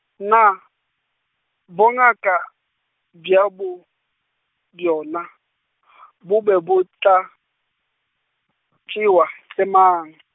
na, bongaka, bjabo, bjona , bo be bo tla, tšewa ke mang?